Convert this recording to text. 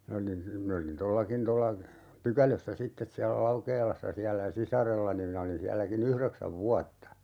minä olin minä olin tuollakin tuolla Pykälössä sitten siellä Laukeelassa siellä sisarellani minä olin sielläkin yhdeksän vuotta